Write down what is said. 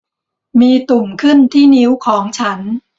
มีตุ่มขึ้นที่นิ้วของฉัน